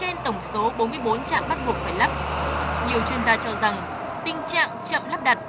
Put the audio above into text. trên tổng số bốn mươi bốn trạm bắt buộc phải lắp nhiều chuyên gia cho rằng tình trạng chậm lắp đặt